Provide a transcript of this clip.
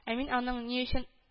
Ә мин аның ни өчен